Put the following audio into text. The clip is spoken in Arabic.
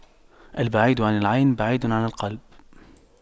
البعيد عن العين بعيد عن القلب